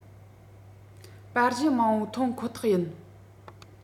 པར གཞི མང པོ ཐོན ཁོ ཐག ཡིན